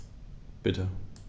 Bitte.